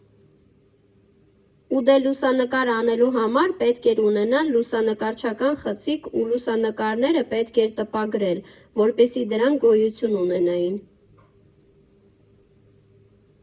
Ու դե լուսանկար անելու համար պետք էր ունենալ լուսանկարչական խցիկ ու լուսանկարները պետք էր տպագրել, որպեսզի դրանք գոյություն ունենային։